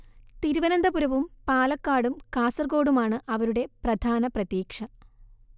തിരുവനന്തപുരവും പാലക്കാടും കാസർകോടുമാണ് അവരുടെ പ്രധാന പ്രതീക്ഷ